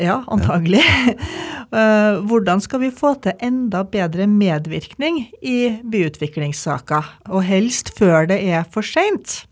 ja antagelig hvordan skal vi få til enda bedre medvirkning i byutviklingssaker og helst før det er for seint?